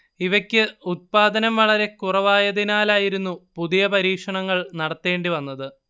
ഇവക്ക് ഉത്പാദനം വളരെക്കുറവായതിനാലായിരുന്നു പുതിയ പരീക്ഷണങ്ങൾ നടത്തേണ്ടി വന്നത്